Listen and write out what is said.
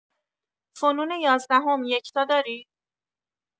فنون یازدهم یکتا دارید؟